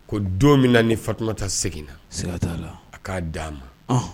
Ko don min na ni fatuma ta segin na sira t'a la a k'a d'a ma